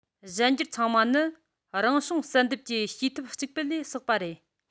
གཞན འགྱུར ཚང མ ནི རང བྱུང བསལ འདེམས ཀྱི བྱེད ཐབས གཅིག པུ ལས བསགས པ རེད